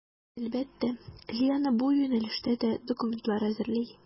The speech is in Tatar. Әлбәттә, Лиана бу юнәлештә дә документлар әзерли.